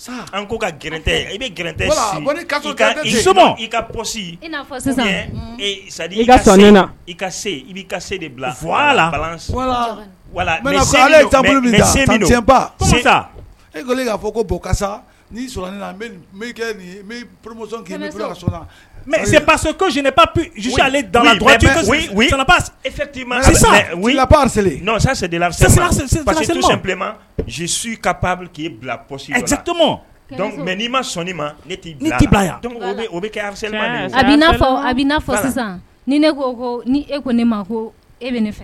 Ko ka gɛrɛ i bɛ g i de e kosi ne sisan ma ka pa ki bilasimɔ mɛ n'i ma sɔn ma ne yan bɛ a a na fɔ sisan ni ko e ko ne ma ko e bɛ ne fɛ